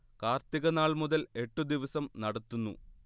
കാർത്തിക നാൾ മുതൽ എട്ടു ദിവസം നടത്തുന്നു